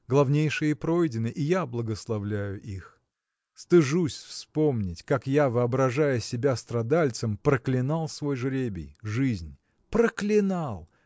главнейшие пройдены, и я благословляю их. Стыжусь вспомнить как я воображая себя страдальцем проклинал свой жребий жизнь. Проклинал!